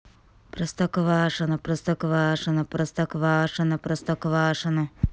простоквашино простоквашино простоквашино простоквашино